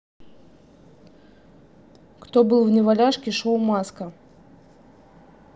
кто был в неваляшке шоу маска